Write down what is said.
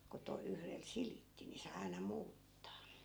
kun - yhdellä silitti niin sai aina muuttaa